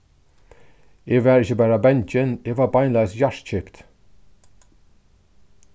eg var ikki bara bangin eg var beinleiðis hjartkipt